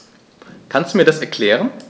Kannst du mir das erklären?